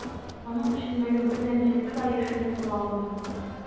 Аның эчендәге бер генә дефекты да яшеренеп кала алмый.